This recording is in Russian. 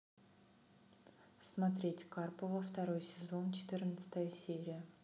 смотреть карпова второй сезон четырнадцатая серия